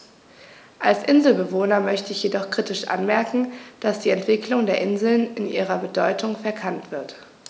Als Inselbewohner möchte ich jedoch kritisch anmerken, dass die Entwicklung der Inseln in ihrer Bedeutung verkannt wird.